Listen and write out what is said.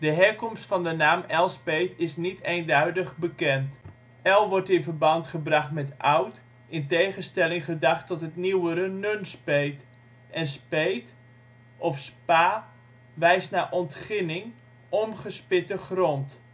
herkomst van de naam Elspeet is niet eenduidig bekend. El wordt wel in verband gebracht met oud (in tegenstelling gedacht tot het nieuwere Nunspeet) en speet (of: spa (de)) verwijst naar ontginning, omgespitte grond